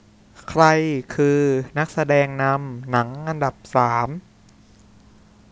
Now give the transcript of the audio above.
ใครคือนักแสดงนำหนังอันดับสาม